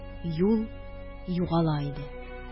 Юл югала иде